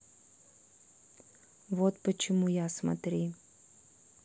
вот почему я смотри